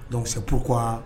Donc c'est pourquoi